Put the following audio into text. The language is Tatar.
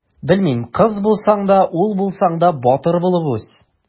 Белмим: кыз булсаң да, ул булсаң да, батыр булып үс!